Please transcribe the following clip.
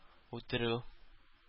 Үтерү